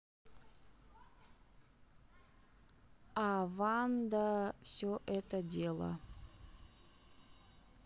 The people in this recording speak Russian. а ванда все это дело